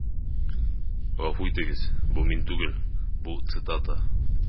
Гафу итегез, бу мин түгел, бу цитата.